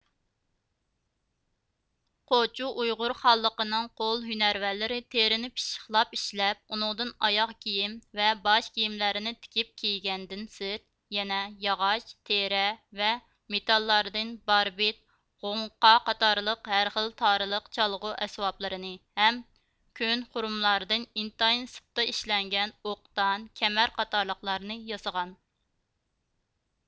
قوچۇ ئۇيغۇر خانلىقىنىڭ قول ھۈنەرۋەنلىرى تېرىنى پىششىقلاپ ئىشلەپ ئۇنىڭدىن ئاياغ كىيىم ۋە باش كىيىملەرنى تىكىپ كىيگەندىن سىرت يەنە ياغاچ تېرە ۋە مېتاللاردىن باربىت غوڭقا قاتارلىق ھەر خىل تارىلىق چالغۇ ئەسۋابلىرىنى ھەم كۆن خۇرۇملاردىن ئىنتايىن سىپتا ئىشلەنگەن ئوقدان كەمەر قاتارلىقلارنى ياسىغان